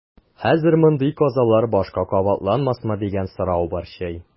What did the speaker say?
Хәзер мондый казалар башка кабатланмасмы дигән сорау борчый.